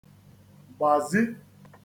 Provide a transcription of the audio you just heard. gbàzi